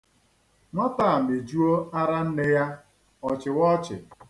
Nwata a mịjuo ara nne ya, ọ chịwa ọchị.